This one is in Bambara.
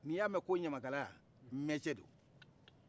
ni y'a mɛn ko ɲamakalay mɛtiye do